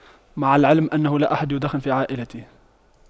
مع العلم أنه لا أحد يدخن في عائلتي